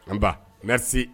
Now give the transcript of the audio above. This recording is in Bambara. Nba merci